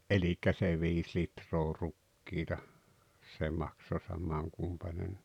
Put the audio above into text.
eli se viisi litraa rukiita se maksoi saman kumpainenkin